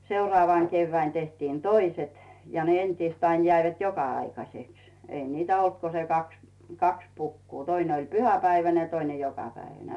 seuraavana keväänä tehtiin toiset ja ne entiset aina jäivät joka-aikaiseksi ei niitä ollut kuin se kaksi kaksi pukua toinen oli pyhäpäiväinen ja toinen jokapäiväinen